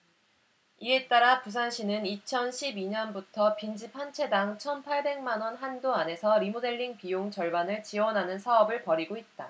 이에 따라 부산시는 이천 십 이 년부터 빈집 한 채당 천 팔백 만원 한도 안에서 리모델링 비용 절반을 지원하는 사업을 벌이고 있다